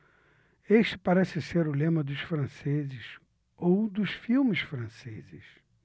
este parece ser o lema dos franceses ou dos filmes franceses